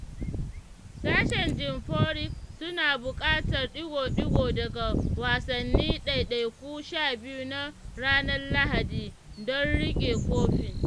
Sashen Jim Furyk suna buƙatar ɗigo-ɗigo daga wasanni ɗaiɗaiku 12 na ranar Lahadi don riƙe kofin.